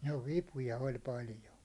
no vipuja oli paljon